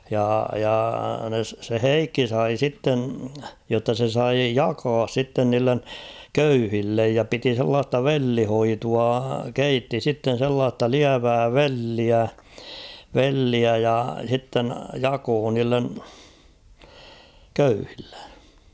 ja ja se Heikki sai sitten jotta se sai jakaa sitten niille köyhille ja piti sellaista vellihoitoa keitti sitten sellaista lievää velliä velliä ja sitten jakoi niille köyhille